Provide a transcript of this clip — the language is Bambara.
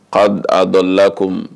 Ka a dɔlako